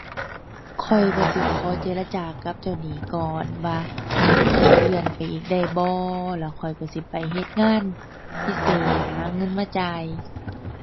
ข้อยก็สิขอเจรจากับเจ้าหนี้ก่อนว่า ขอเลื่อนไปอีกได้บ่ แล้วข้อยก็สิไปเฮ็ดงานพิเศษ หาเงินมาจ่าย